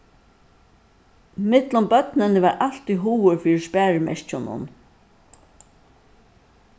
millum børnini var altíð hugur fyri sparimerkjunum